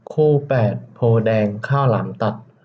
คู่แปดโพธิ์แดงข้าวหลามตัด